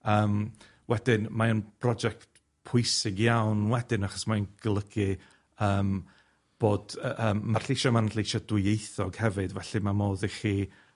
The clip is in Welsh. Yym wedyn, mae o'n project pwysig iawn wedyn achos mae'n golygu yym bod yy yym ma'r lleisie 'ma'n lleisie dwyieithog hefyd, felly ma' modd i chi